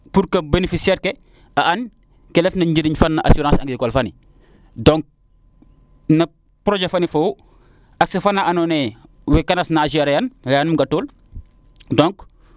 pour que beneficiaire ke a an ke refna njiriñ assirance agricole fane donc no projet fani fogu accés faa ando naye we Canas na gerer an leyenum xa toor donc